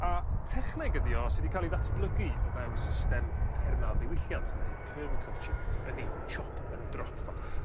a techneg ydi o sy 'di ca'l 'i ddatblygu o fewn system permaddiwylliant neu permaculture ydi chop and drop 'ma.